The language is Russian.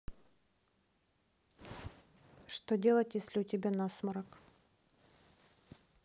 что делать если у тебя насморк